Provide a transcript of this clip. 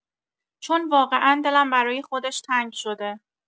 چون واقعا دلم برای خودش تنگ شده.